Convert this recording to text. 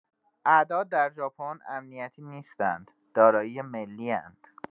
اعداد در ژاپن امنیتی نیستند؛ دارایی ملی‌اند.